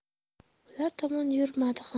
ular tomon yurmadi ham